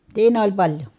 siinä oli paljon